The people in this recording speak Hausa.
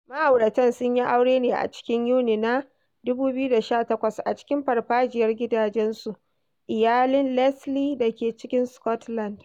Ma'auratan sun yi aure ne a cikin Yuni na 2018 a cikin farfajiyar gidajen su iyalin Leslie da ke cikin Scotland.